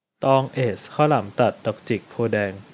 ตองเอซข้าวหลามตัดดอกจิกโพธิ์แดง